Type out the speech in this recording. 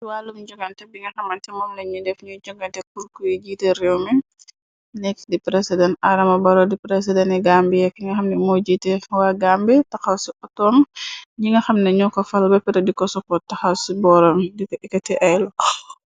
Si wàllum jogante bi nga xamanteh ci moom la ñu def ñuy jogante purr kuy jiite réew mi nex di president Adama Barrow di president i Gambi yek yi nga xam ni mooy jiite waa Gambi taxaw ci otom ñi nga xam nañoo ko fal bapareh di ko support taxaw ci boram diko yekati ay loxo.